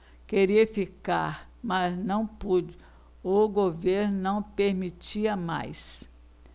queria ficar mas não pude o governo não permitia mais